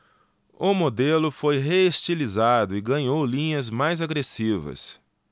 o modelo foi reestilizado e ganhou linhas mais agressivas